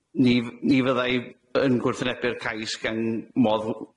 Ni f- ni fydda i yn gwrthwynebu'r cais